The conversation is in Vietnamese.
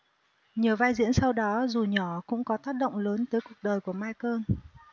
nhiều vai diễn sau đó dù nhỏ cũng có tác động lớn tới cuộc đời của michael